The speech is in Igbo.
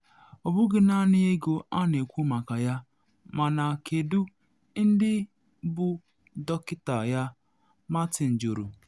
“Ọ bụghị naanị ego ka a na ekwu maka ya, mana kedu ndị bụ dọkịnta ya?” Martin jụrụ.